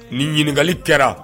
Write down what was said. Nin ɲininkali kɛra